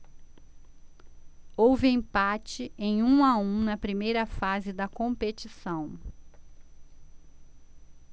houve empate em um a um na primeira fase da competição